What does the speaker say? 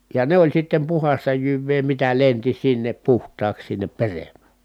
ja ne oli sitten puhdasta jyvää mitä lensi sinne puhtaaksi sinne peremmä